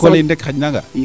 ko leyin rek xaƴ naaga